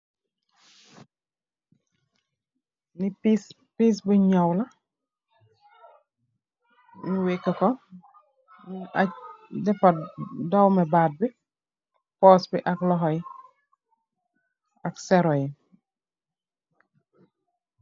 Li piss la liss bunye nyawla nyu wekahku nyu dawme bat bi purse bi ak luxho yi ak sero yi